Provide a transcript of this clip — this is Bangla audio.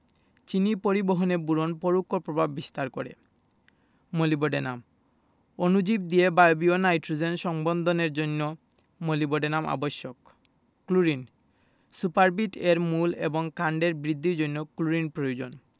চিনি পরিবহনে বোরন পরোক্ষ প্রভাব বিস্তার করে মোলিবডেনাম অণুজীব দিয়ে বায়বীয় নাইট্রোজেন সংবন্ধনের জন্য মোলিবডেনাম আবশ্যক ক্লোরিন সুপারবিট এর মূল এবং কাণ্ডের বৃদ্ধির জন্য ক্লোরিন প্রয়োজন